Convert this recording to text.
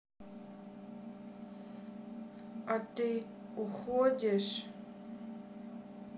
а ты уходишь